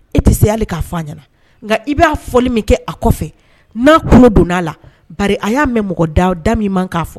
E tɛ se' k'a fɔ ɲɛna nka i b'a fɔli min kɛ a kɔfɛ n'a kun don aa la ba a y'a mɛn mɔgɔ da da min man k'a fɔ